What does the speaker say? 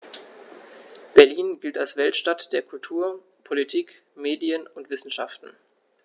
Berlin gilt als Weltstadt der Kultur, Politik, Medien und Wissenschaften.